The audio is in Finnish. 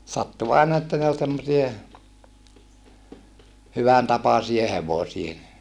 sattui aina että ne oli semmoisia hyvän tapaisia hevosia